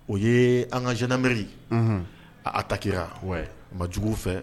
O ye an ka zinameri a a taki ma jugu fɛ